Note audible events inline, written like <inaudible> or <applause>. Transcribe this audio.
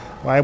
<hesitation> <hesitation>